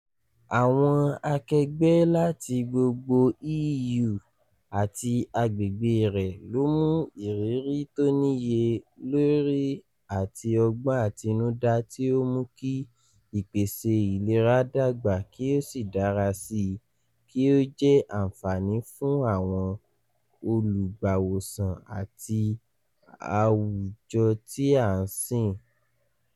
Àwọn akẹgbẹ́ láti gbogbo EU, àti agbègbè reẹ̀, ló mú ìrírí tó níye lórím àti ọgbọ́n àtinúdá tí ó mú kí ìpèsè ilera dàgbà kí ó sì dára síi, kí ó jẹ́ àǹfààní fúnàwọn olùgbàwòsàn àti àwùjọtí á ń sìn.